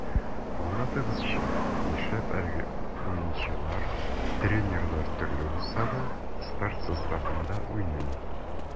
Аңлатыгызчы, нишләп әлеге уенчылар, тренерлар төрле булса да, старт составында уйный?